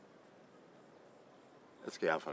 ese ka tifiest xe